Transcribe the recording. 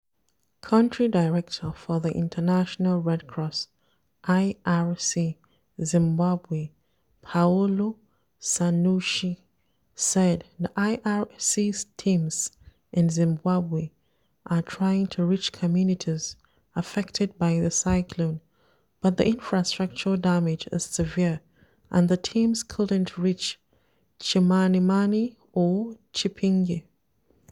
Country director for the International Red Cross (IRC) Zimbabwe Paolo Cernuschi said the IRC teams in Zimbabwe are trying to reach communities affected by the cyclone but the infrastructure damage is severe and the teams couldn't reach Chimanimani or Chipinge.